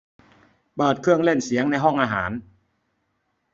เปิดเครื่องเล่นเสียงในห้องอาหาร